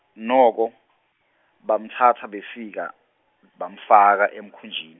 noko, bamtsatsa befika, bamfaka emkhunjin-.